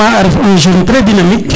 vraiment a ref un jeune tres dynamique